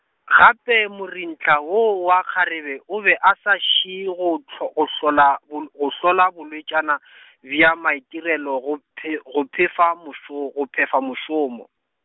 gape morentha woo wa kgarebe o be a sa šie go thl-, go hlola bol-, go hlola bolwetšana , bja maitirelo go phe-, go phefa mošo-, go phefa mošomo.